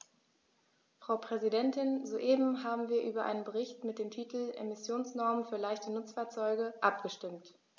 Frau Präsidentin, soeben haben wir über einen Bericht mit dem Titel "Emissionsnormen für leichte Nutzfahrzeuge" abgestimmt.